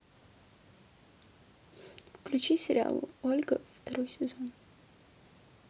включить сериал ольга второй сезон